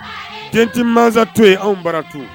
Den tɛ mansa to yen anw bara tun